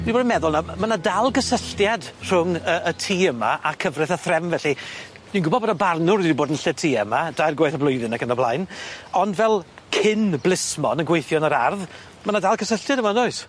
Dwi 'di bod yn meddwl nawr m- ma' 'na dal gysylltiad rhwng yy y tŷ yma a cyfreth y threfn felly ni'n gwbo bod y barnwr wedi bod yn lletya yma dair gwaith y blwyddyn ac yn y blaen ond fel cyn blismon yn gweithio yn yr ardd ma' na dal gysylltiad yma yndoes?